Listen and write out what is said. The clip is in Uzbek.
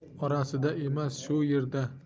orasida emas shu yerda